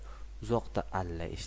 uzoqda alla eshitiladi